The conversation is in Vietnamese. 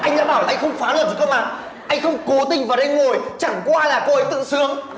anh đã bảo anh không phá luật rồi cơ mà anh không cố tình vào đây ngồi chẳng qua là cô ấy tự sướng